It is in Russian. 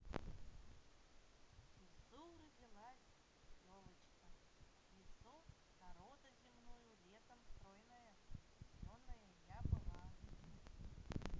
лису родилась елочка в лесу народа земную летом стройная зеленая я была